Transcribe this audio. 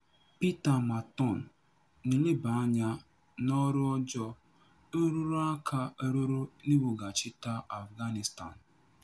Peter Marton na-eleba anya n'ọrụ ọjọọ nrụrụaka rụrụ n'iwughachita Afghanistan.